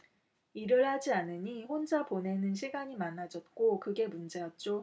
일을 하지 않으니 혼자 보내는 시간이 많아졌고 그게 문제였죠